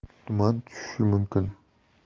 tuman tushishi mumkin